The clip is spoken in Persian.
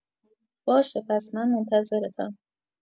باشه پس من منتظرتم.